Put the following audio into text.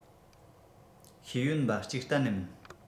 ཤེས ཡོན པ གཅིག གཏན ནས མིན